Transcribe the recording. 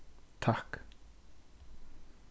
takk